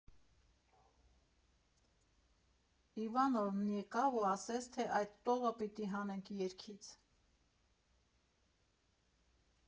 Իվանովն եկավ ու ասեց, թե այդ տողը պիտի հանենք երգից։